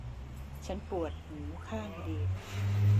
ฉันปวดหูข้างเดียว